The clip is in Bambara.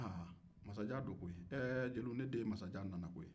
masajan don koyi